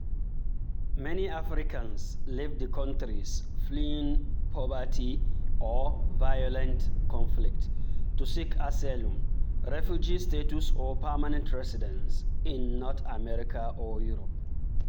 Many Africans leave the countries fleeing poverty or violent conflict, to seek asylum, refugee status or permanent residence in North America or Europe.